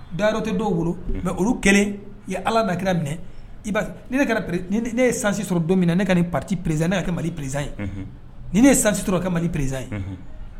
Dayɔrɔ tɛ dɔw bolo mɛ olu kɛlen i ala na kirara minɛ i ni ne ye sansi sɔrɔ don min na ne ka pati prez ne ka mali prezsanye ni ne ye sansi sɔrɔ ka mali prezsanye